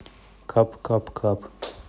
кап кап кап